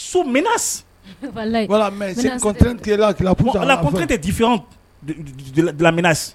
sont ménace wallahi Voila, mais c'est une contrainte qui est la qui la pousse à faire, la contrainte est différente de la ménace